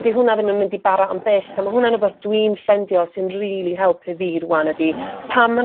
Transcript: dydi hwnna ddim yn mynd i bara am byth a ma hwna'n rwbath dwi'n ffeindio sy'n rili helpu fi ryŵan ydi pan